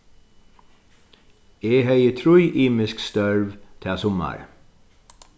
eg hevði trý ymisk størv tað summarið